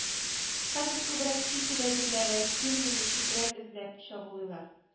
Хәзер күбрәк чит ил әйберләре, фирменный чүпрәк эзләп чабулыйлар